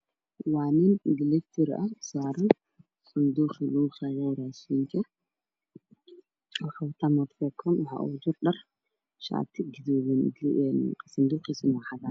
Nin watafaikan waxaa gadaal ka saaran sanduuq raashin ku jiraan ninka muxuu wataa shati cad is madow